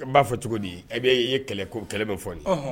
E n b'a fɔ cogodi ɛ bee i ye kɛlɛ ko kɛlɛ bɛ fɔ ni ye ɔnhɔn